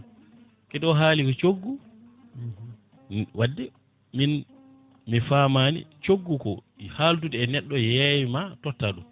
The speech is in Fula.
kadi o haali ko coggu wadde min mi famani coggu ko haldude e neɗɗo yeyma totta ɗum